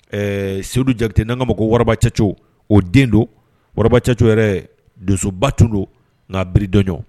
Ɛɛ sedu ja tɛ n'a ka ma ko wararabacɛcogo o den don waracɛcogo yɛrɛ donsoba tun don n'a bi dɔnɲɔ